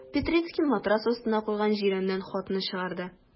Петрицкий матрац астына куйган җирәннән хатны чыгарды.